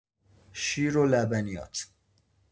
شیر و لبنیات